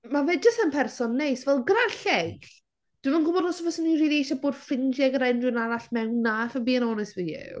Mae fe jyst yn person neis, fel gyda'r lleill. Dwi'm yn gwybod os fyswn i rili eisiau bod ffrindiau gyda unrhyw un arall mewn 'na. If I'm being honest with you.